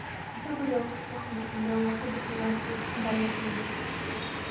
Бер-бер ялгышлыкмы, әллә аңлашылып бетмәгән кырыс чынбарлыкмы бу?